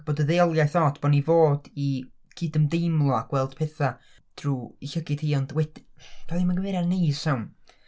A bod y ddeuoliaeth od bod ni fod i gydymdeimlo a gweld pethau drwy ei llygaid hi ond wed- doedd hi'm yn gymeriad neis iawn.